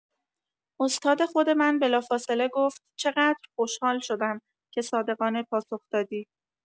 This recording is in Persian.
استاد خود من بلافاصله گفت چقدر خوشحال شدم که صادقانه پاسخ دادی!